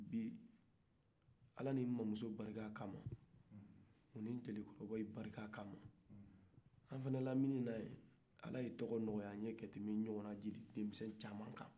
bi ala nin mamamouso barika kama o ni ntele kɔrɔ baw barika kama an ka laminin na ye ala ye tɔgɔ nɔgɔy'an ye ka tɛmɛ nɲɔgɔna jeli demisen caaman kan